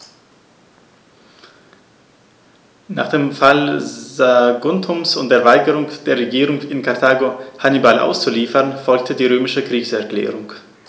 Nach dem Fall Saguntums und der Weigerung der Regierung in Karthago, Hannibal auszuliefern, folgte die römische Kriegserklärung.